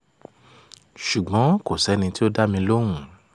Ṣùgbọ́n kò sí ẹni tí ó dá mi lóhùn.